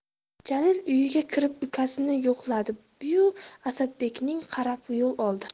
jalil uyiga kirib ukasini yo'qladi yu asadbeknikiga qarab yo'l oldi